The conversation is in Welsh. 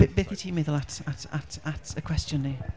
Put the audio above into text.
B- beth wyt ti'n meddwl at, at, at, at y cwestiwn 'ny?